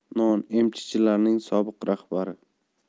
non mchjlarining sobiq rahbari